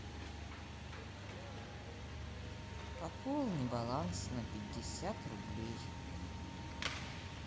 пополни баланс на пятьдесят рублей